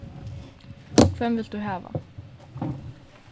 hvønn vilt tú hava